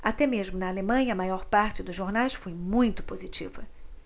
até mesmo na alemanha a maior parte dos jornais foi muito positiva